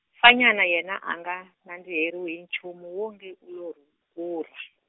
Fanyana yena a nga nandziheriwi hi nchumu wongi u lo rhukurha.